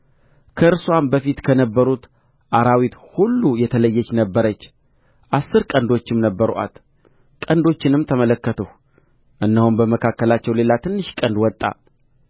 ከእርስዋም በፊት ከነበሩት አራዊት ሁሉ የተለየች ነበረች አሥር ቀንዶችም ነበሩአት ቀንዶችንም ተመለከትሁ እነሆም በመካከላቸው ሌላ ትንሽ ቀንድ ወጣ